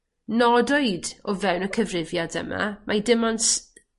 Nodwyd o fewn y cyfrifiad yma mai dim ond s-